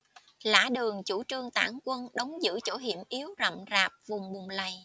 lã đường chủ trương tản quân đóng giữ chỗ hiểm yếu rậm rạp vùng bùn lầy